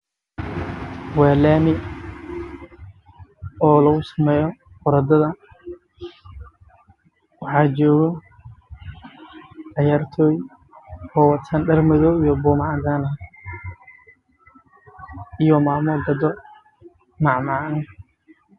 Waa laami oo lagu sameeyo orodyada waxaa joogo ciyaartooy iyo maamo